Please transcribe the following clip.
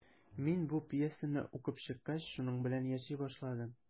Мин бу пьесаны укып чыккач, шуның белән яши башладым.